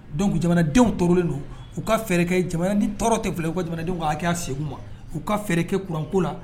Donc jamanadenw tɔɔrɔlen don mun na, u ka fɛrɛkɛ, jamana ni tɔɔrɔ tɛ fila ye, u ka jamanadenw ka a kɛya segu ma u ka fɛrɛ kɛ courant ko la